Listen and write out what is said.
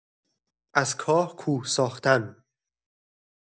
از کاه کوه ساختن